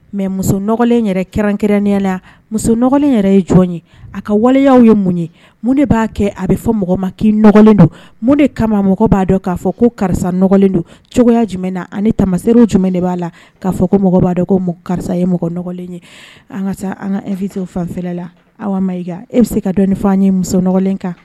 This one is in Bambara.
Mɛ musoɔgɔnlen yɛrɛ kɛrɛnkɛrɛnnenya la musoɔgɔnlen yɛrɛ ye jɔn ye a ka waleya ye mun ye mun de b'a kɛ a bɛ fɔ mɔgɔ malen don mun de kama mɔgɔ b'a dɔn k'a fɔ ko karisa nɔgɔlen don cogoya jumɛn na ani tama serew jumɛn de b'a la k ka fɔ ko mɔgɔ b'a dɔn ko karisa ye mɔgɔ nɔgɔlen ye an ka an ka efiw fanfɛ la aw i e bɛ se ka dɔn' an ye muso kan